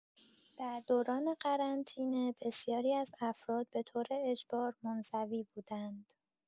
در دوران قرنطینه، بسیاری از افراد به‌طور اجبار منزوی بودند.